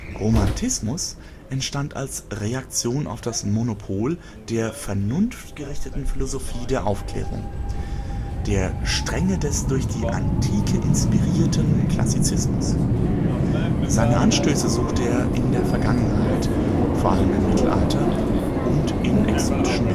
Romantismus entstand als Reaktion auf das Monopol der vernunftgerichteten Philosophie der Aufklärung, der Strenge des durch die Antike inspirierten Klassizismus. Seine Anstöße suchte er in der Vergangenheit (vor allem im Mittelalter) und exotischen Ländern